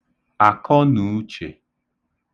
àkọnùuchè